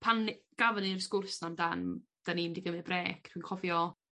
pan gafon ni yr sgwrs 'na amdan 'dan ni mynd i gymyd brêc rwy'n cofio